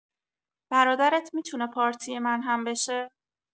بردارت می‌تونه پارتی من هم بشه؟